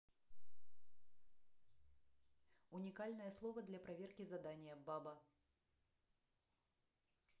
уникальное слово для проверки задания баба